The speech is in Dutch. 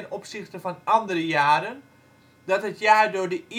opzichte van andere jaren dat het jaar door de